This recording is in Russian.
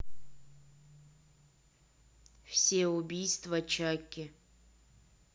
все убийства чаки